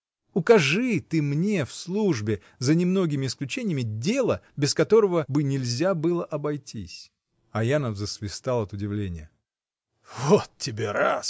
Укажи ты мне в службе, за немногими исключениями, дело, без которого бы нельзя было обойтись? Аянов засвистал от удивления. — Вот тебе раз!